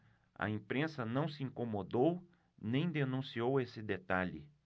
a imprensa não se incomodou nem denunciou esse detalhe